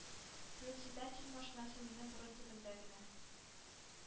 Председатель машинасы минем борын төбендә генә